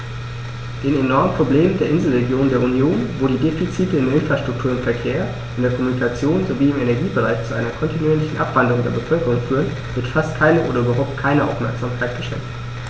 Den enormen Problemen der Inselregionen der Union, wo die Defizite in der Infrastruktur, im Verkehr, in der Kommunikation sowie im Energiebereich zu einer kontinuierlichen Abwanderung der Bevölkerung führen, wird fast keine oder überhaupt keine Aufmerksamkeit geschenkt.